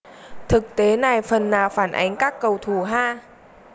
thực tế này phần nào phản ánh các cầu thủ ha